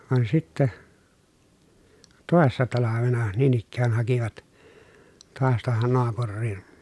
vaan sitten toissa talvena niin ikään hakivat taas tuohon naapuriin